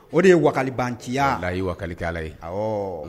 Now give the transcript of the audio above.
O de ye waliban ciya la ye wali ye